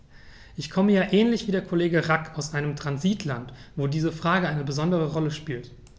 Ich komme ja ähnlich wie der Kollege Rack aus einem Transitland, wo diese Frage eine besondere Rolle spielt.